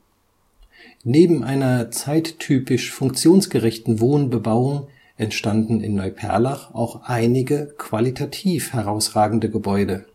Neben einer zeittypisch funktionsgerechten Wohnbebauung entstanden in Neuperlach auch einige qualitativ herausragende Gebäude